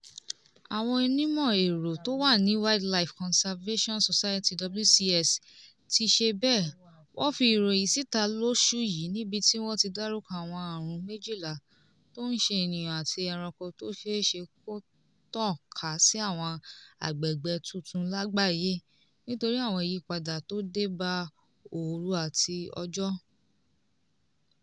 Àwọn onímọ ẹ̀rọ̀ tó wà ní Wildlife Conservation Society (WCS) ti ṣe bẹ́ẹ̀ — Wọ́n fi ìròyìn sítà lóṣù yìí níbi tí wọ́n ti dárukọ àwọn aàrùn 12 tó ń ṣe ènìyàn àti ẹranko tó ṣeé ṣe kó tàn ká sí àwọn agbègbè tuntun lágbàáyé nítorí àwọn ìyípadà tó dé bá ooru àti òjò.